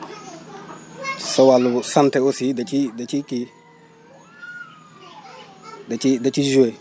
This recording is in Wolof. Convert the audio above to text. sa wàllu santé aussi da ciy da ciy kii da ciy da ciy joué